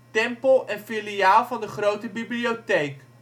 tempel en filiaal van de grote bibliotheek